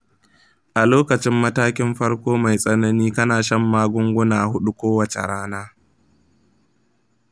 a lokacin matakin farko mai tsanani kana shan magunguna huɗu kowace rana.